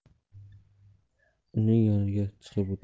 uning yoniga chiqib o'tirdim